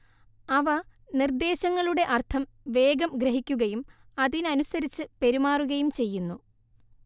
അവ നിർദ്ദേശങ്ങളുടെ അർത്ഥം വേഗം ഗ്രഹിക്കുകയും അതിനനുസരിച്ച് പെരുമാറുകയും ചെയ്യുന്നു